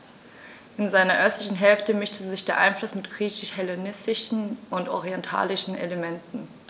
In seiner östlichen Hälfte mischte sich dieser Einfluss mit griechisch-hellenistischen und orientalischen Elementen.